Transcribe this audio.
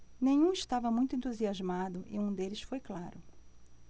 nenhum estava muito entusiasmado e um deles foi claro